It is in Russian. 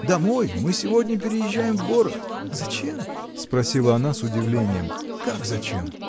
– Домой: мы сегодня переезжаем в город. – Зачем? – спросила она с удивлением. – Как зачем?